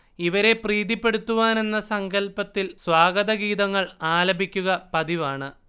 ഇവരെ പ്രീതിപ്പെടുത്തുവാനെന്ന സങ്കല്പത്തിൽ സ്വാഗതഗീതങ്ങൾ ആലപിക്കുക പതിവാണ്